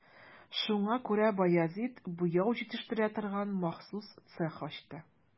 Шуңа күрә Баязит буяу җитештерә торган махсус цех ачты.